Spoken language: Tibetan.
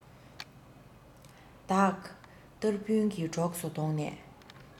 བདག ཏར ཝུན གྱི གྲོགས སུ བསྡོངས ནས